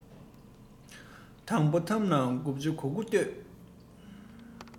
དང པོ ཐབས རྣམས དགུ བཅུ གོ དགུ གཏོད